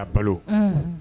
A balo Unhun